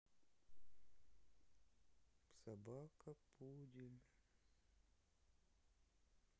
собака пудель